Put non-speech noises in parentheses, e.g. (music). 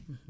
(hesitation) (hesitation)